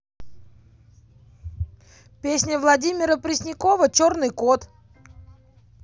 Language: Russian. песня владимира преснякова черный кот